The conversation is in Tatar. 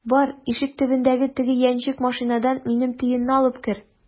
Бар, ишек төбендәге теге яньчек машинадан минем төенне алып кер!